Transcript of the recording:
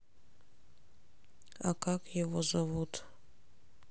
а как его зовут